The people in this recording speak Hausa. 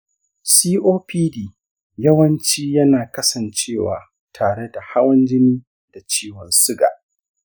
copd yawanci yana kasancewa tare da hawan jini da ciwon suga.